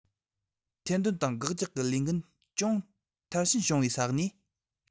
ཐེར འདོན དང དགག རྒྱག གི ལས འགུལ ཅུང མཐར ཕྱིན བྱུང བའི ས གནས